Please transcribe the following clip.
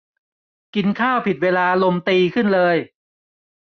กินข้าวผิดเวลาลมตีขึ้นเลย